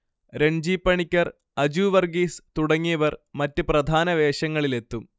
രൺജി പണിക്കർ, അജു വർഗ്ഗീസ് തുടങ്ങിയവർ മറ്റ്പ്രധാന വേഷങ്ങളിലെത്തും